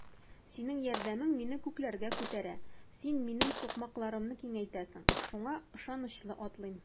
Синең ярдәмең мине күкләргә күтәрә, син минем сукмакларымны киңәйтәсең, шуңа ышанычлы атлыйм.